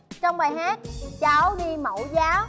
trong bài hát cháu đi mẫu giáo